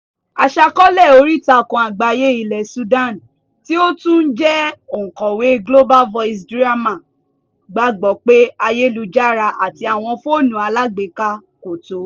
Aṣàkọọ́lẹ̀ oríìtakùn àgbáyé ilẹ̀ Sudan tí ó tún jẹ́ òǹkọ̀wé Global Voices Drima gbàgbọ́ pé Ayélujára àti àwọn fóònù alágbèéká kò tó.